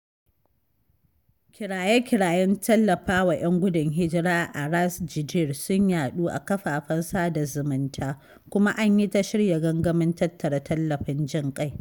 Kiraye-kirayen tallafa wa ‘yan gudun hijira a Ras Jdir sun yaɗu a kafafen sada zumunta, kuma an yi ta shirya gangamin tattara tallafin jin ƙai.